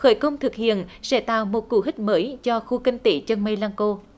khởi công thực hiện sẽ tạo một cú hích mới cho khu kinh tế chân mây lăng cô